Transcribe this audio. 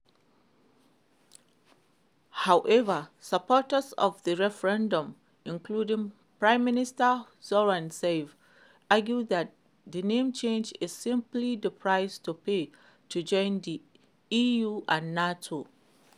However, supporters of the referendum, including Prime Minister Zoran Zaev, argue that the name change is simply the price to pay to join the EU and NATO.